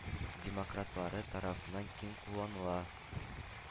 Демократлары тарафыннан киң кулланыла.